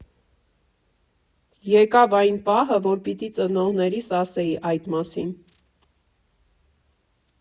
Եկավ այն պահը, որ պիտի ծնողներիս ասեի այդ մասին։